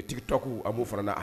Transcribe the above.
U tigi tɔgɔku a b'o fana